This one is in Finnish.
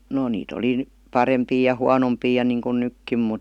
no niitä oli - parempia ja huonompia ja niin kun nytkin mutta